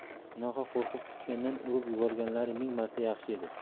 bunaqa qo'rqib kutgandan urib yuborganlari ming marta yaxshi edi